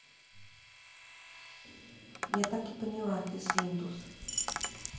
я так и поняла ты свинтус